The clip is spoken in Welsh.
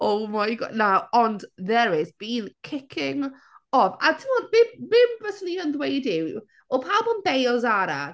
Oh my Go-... Na ond there has been kicking off. A tibod be be fyswn i yn dweud yw oedd pawb yn beio Zara...